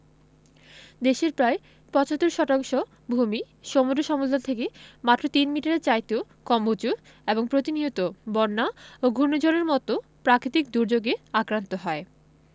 দেশের প্রায় ৭৫ শতাংশ ভূমিই সমুদ্র সমতল থেকে মাত্র তিন মিটারের চাইতেও কম উঁচু এবং প্রতিনিয়ত বন্যা ও ঘূর্ণিঝড়ের মতো প্রাকিতিক দুর্যোগে আক্রান্ত হয়